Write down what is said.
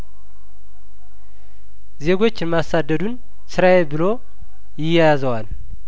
ዜጐችን ማሳደዱን ስራዬ ብሎ ይያያዘዋል